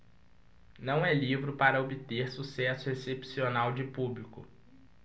não é livro para obter sucesso excepcional de público